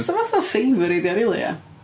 So fatha savoury, 'di o rili, ia.